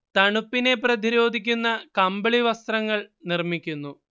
തണുപ്പിനെ പ്രതിരോധിക്കുന്ന കമ്പിളി വസ്ത്രങ്ങൾ നിർമ്മിക്കുന്നു